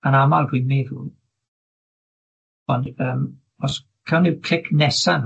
Yn amal, dwi'n meddwl, ond yym os cawn ni'r clic nesa...